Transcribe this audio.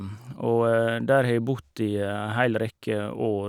Og der har jeg bodd i ei heil rekke år.